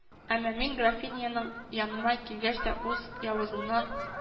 Әмма мин графиняның яныма килгәч тә үз явызыннан